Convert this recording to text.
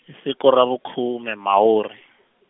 hi siku ra vukhume Mhawuri.